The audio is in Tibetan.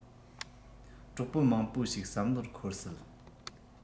གྲོགས པོ མང པོ ཞིག བསམ བློར འཁོར སྲིད